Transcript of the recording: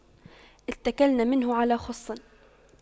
اتَّكَلْنا منه على خُصٍّ